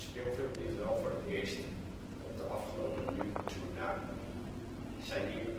liet wel voor het eerst, op de afgelopen Nude Tour na, zijn nieuwe